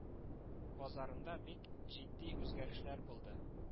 Базарында бик җитди үзгәрешләр булды